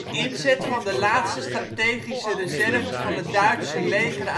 inzet van de laatste strategische reserves van het Duitse leger